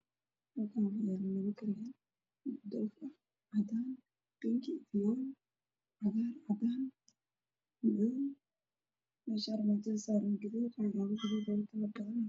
Meeshaan waxaa horyaalo laba kareen oo dhoofa caagada kalargeedu waa caddaan